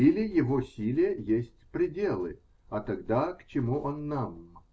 или его силе есть пределы -- а тогда к чему он нам?